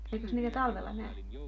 eikös niitä talvella näe